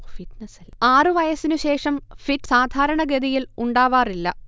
ആറു വയസ്സിനുശേഷം ഫിറ്റ്സ് സാധാരണഗതയിൽ ഉണ്ടാവാറില്ല